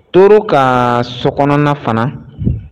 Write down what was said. taureaux ka sokɔnɔna fana.